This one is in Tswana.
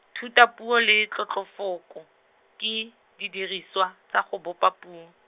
thutapuo le tlotlofoko, ke, didirisiwa, tsa go bopa puo.